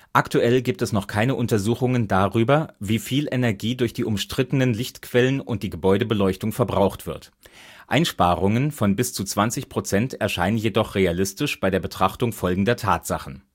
Aktuell gibt es noch keine Untersuchungen darüber, wie viel Energie durch die umstrittenen Lichtquellen und die Gebäudebeleuchtung verbraucht wird. Einsparungen von bis zu 20 % erscheinen jedoch realistisch bei der Betrachtung folgender Tatsachen